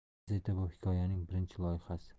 gazeta bu hikoyaning birinchi loyihasi